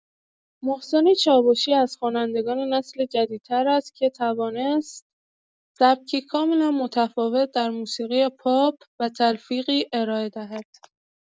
محسن چاوشی از خوانندگان نسل جدیدتر است که توانست سبکی کاملا متفاوت در موسیقی پاپ و تلفیقی ارائه دهد.